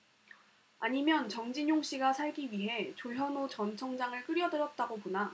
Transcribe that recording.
아니면 정진용씨가 살기 위해 조현오 전 청장을 끌여들였다고 보나